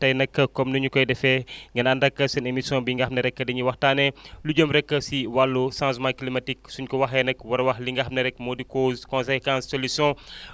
tey nag comme ni ñu koy defee ngeen ànd ak seen émission bi nga xam ne rek dañuy waxtaanee lu jëm rek ci wàllu changement climatique su ñu ko waxee nag war a wxax li nga xam ne rek moo di causes conséquences ;fra solutions